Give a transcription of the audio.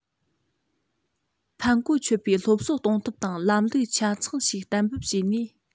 ཕན གོ ཆོད པའི སློབ གསོ གཏོང ཐབས དང ལམ ལུགས ཆ ཚང ཞིག གཏན འབེབས བྱས ནས